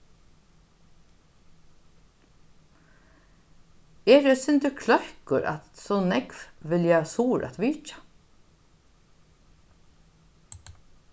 eri eitt sindur kløkkur at so nógv vilja suður at vitja